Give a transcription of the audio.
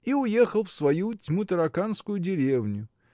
— и уехал в свою тьмутараканскую деревню.